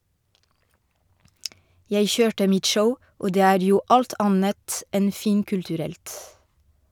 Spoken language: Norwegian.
- Jeg kjørte mitt show, og det er jo alt annet enn finkulturelt.